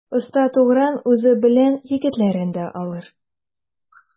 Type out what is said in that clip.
Оста Тугран үзе белән егетләрен дә алыр.